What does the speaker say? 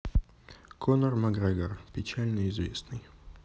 конор макгрегор печально известный